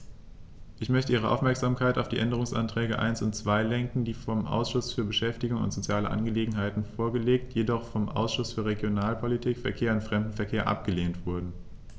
Ich möchte Ihre Aufmerksamkeit auf die Änderungsanträge 1 und 2 lenken, die vom Ausschuss für Beschäftigung und soziale Angelegenheiten vorgelegt, jedoch vom Ausschuss für Regionalpolitik, Verkehr und Fremdenverkehr abgelehnt wurden.